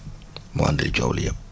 moo andi coow li yëpp